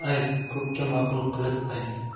ayt ko'pga ma'qul qilib ayt